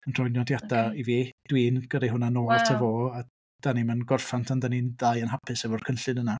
Yn rhoi nodiadau... ocê. ...i fi. Dwi'n gyrru hwnna nôl... waw. ...ato fo a dan ni'm yn gorffen tan dan ni'n ddau yn hapus efo'r cynllun yna.